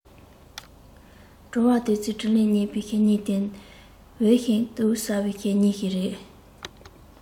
དྲི བ དེ ཚོའི དྲིས ལན རྙེད པའི ཉིན དེ ཉི འོད ཤིན ཏུ གསལ བའི ཉིན ཞིག རེད